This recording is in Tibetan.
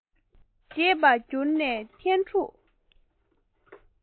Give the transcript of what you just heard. བརྗེད པ གྱུར ནས ཐན ཕྲུག